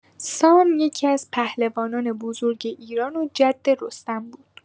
سام یکی‌از پهلوانان بزرگ ایران و جد رستم بود.